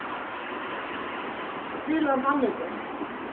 tyrlan fann okum